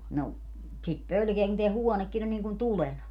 no sitä pelkää kun tämä huonekin on niin kuin tulena